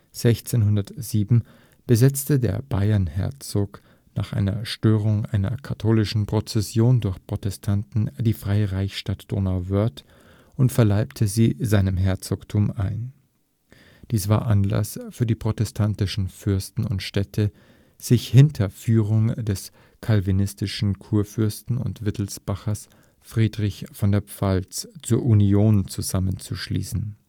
1607 besetzte der Bayernherzog nach einer Störung einer katholischen Prozession durch Protestanten die freie Reichsstadt Donauwörth und verleibte sie seinem Herzogtum ein. Dies war Anlass für die protestantischen Fürsten und Städte, sich unter Führung des calvinistischen Kurfürsten und Wittelsbachers Friedrich von der Pfalz zur Union zusammenzuschließen